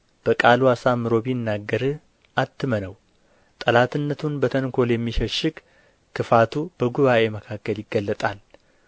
በቃሉ አሳምሮ ቢናገርህ አትመነው ጠላትነቱን በተንኰል የሚሸሽግ ክፋቱ በጉባኤ መካከል ይገለጣል